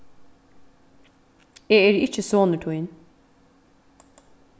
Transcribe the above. eg eri ikki sonur tín